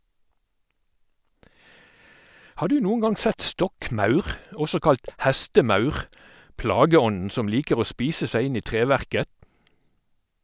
Har du noen gang sett stokkmaur, også kalt hestemaur, plageånden som liker å spise seg inn i treverket?